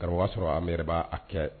Ga'a sɔrɔ ame b' a kɛ